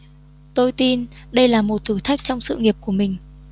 tôi tin đây là một thử thách trong sự nghiệp của mình